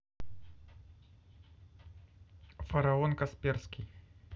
фараон касперский